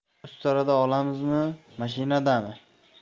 ustarada olamizmi mashinadami